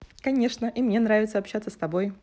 конечно и мне нравится общаться с тобой